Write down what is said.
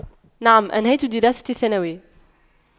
نعم أنهيت دراستي الثانوية